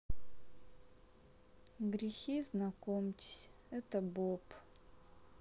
грехи знакомьтесь это боб